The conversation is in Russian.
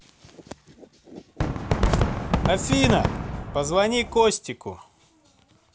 афина позвони костику